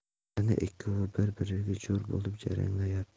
ana ikkovi bir biriga jo'r bo'lib jaranglayapti